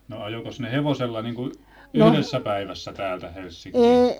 no ajoikos ne hevosella niin kuin yhdessä päivässä täältä Helsinkiin